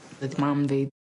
Dydi mam fi